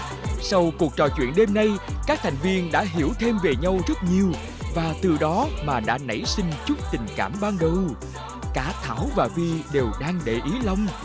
sau cuộc trò chuyện đêm nay các thành viên đã hiểu thêm về nhau rất nhiều và từ đó mà đã nảy sinh chút tình cảm ban đầu cả thảo và vy đều đang để ý long